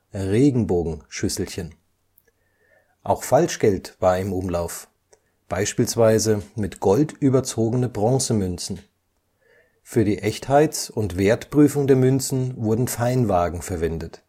Regenbogenschüsselchen). Auch Falschgeld war im Umlauf, beispielsweise mit Gold überzogene Bronzemünzen. Für die Echtheits - und Wertprüfung der Münzen wurden Feinwaagen verwendet